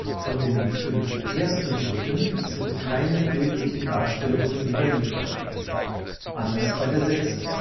Von den fünf ersten Brücken sind keine bildlichen Darstellungen überliefert. Anders bei der sechsten